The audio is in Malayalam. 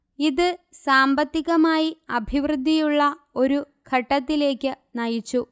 ഇത് സാമ്പത്തികമായി അഭിവൃദ്ധിയുള്ള ഒരുഘട്ടത്തിലേയ്ക്ക് നയിച്ചു